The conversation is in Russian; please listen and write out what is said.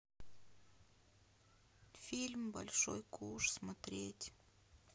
фильм большой куш смотреть